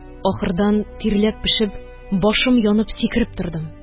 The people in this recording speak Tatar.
Ахырдан тирләп-пешеп, башым янып сикереп тордым